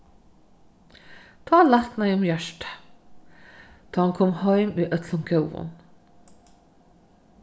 tá lætnaði um hjartað tá hann kom heim í øllum góðum